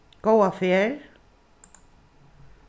góða ferð